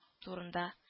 Турында